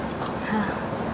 nói